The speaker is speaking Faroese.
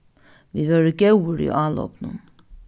vit vóru góðir í álopinum